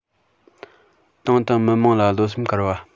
ཏང དང མི དམངས ལ བློ སེམས དཀར བ